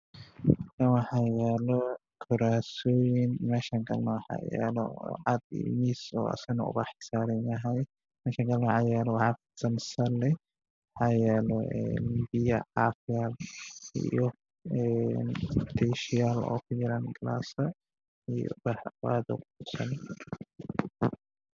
Halkaan waxaa yaalo kuraas oo ubax saaranyahay -biyo caafi